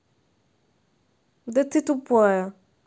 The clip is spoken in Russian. да ты тупая